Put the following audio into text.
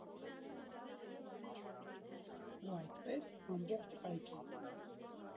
Ու այդպես ամբողջ այգին։